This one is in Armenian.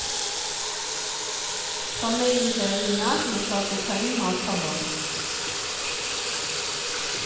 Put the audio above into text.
ԽՄԷ֊ի հեղինակ, մշակութային մարդաբան։